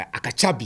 A ka ca bi